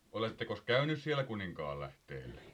olettekos käynyt siellä Kuninkaanlähteellä